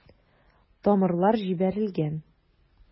Тамырлар җибәрелгән.